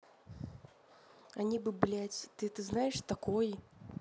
они бы блять ты это знаешь такой